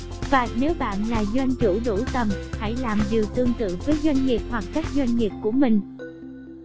và nếu bạn là doanh chủ đủ tầm hãy làm điều tương tự với doanh nghiệp hoặc các doanh nghiệp của mình